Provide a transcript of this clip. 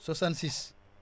66